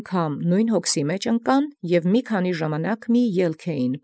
Անգամ ի նոյն հոգս դառնային, և նմին ելս խնդրէին ժամանակս ինչ։